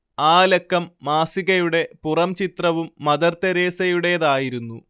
ആ ലക്കം മാസികയുടെ പുറംചിത്രവും മദർതെരേസയുടേതായിരുന്നു